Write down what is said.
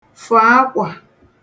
fọ̀ akwà